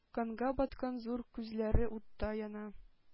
Канга баткан зур күзләре уттай яна.